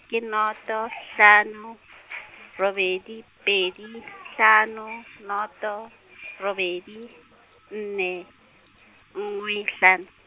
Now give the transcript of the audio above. ke noto hlano, robedi pedi hlano noto, robedi, nne, nngwe hlano.